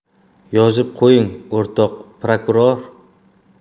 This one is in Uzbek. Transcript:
yozib qo'ying o'rtoq prokuror